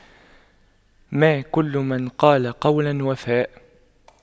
ما كل من قال قولا وفى